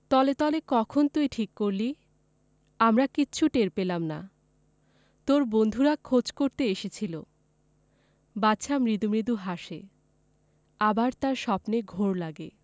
বলে তলে তলে কখন তুই ঠিক করলি আমরা কিচ্ছু টের পেলাম না তোর বন্ধুরা খোঁজ করতে এসেছিলো বাছা মৃদু মৃদু হাসে আবার তার স্বপ্নের ঘোর লাগে